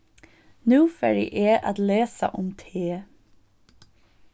nú fari eg at lesa um te